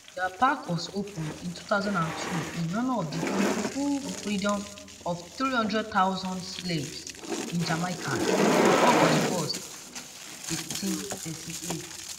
The park was opened in 2002 in honour of the "full freedom" of 300,000 slaves in Jamaica on August 1, 1838.